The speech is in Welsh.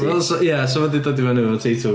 Wel 'sa ia... 'sa fo 'di dod i fynnu yn y teitl.